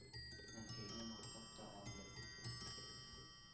Әнкәйне мактап та алды.